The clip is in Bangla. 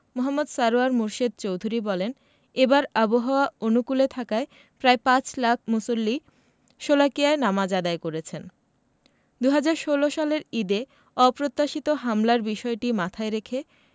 মো. সারওয়ার মুর্শেদ চৌধুরী বলেন এবার আবহাওয়া অনুকূলে থাকায় প্রায় পাঁচ লাখ মুসল্লি শোলাকিয়ায় নামাজ আদায় করেছেন ২০১৬ সালের ঈদে অপ্রত্যাশিত হামলার বিষয়টি মাথায় রেখে